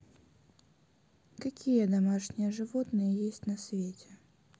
какие домашние животные есть на свете